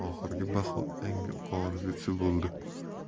oxirgi baho eng yuqorisi bo'ldi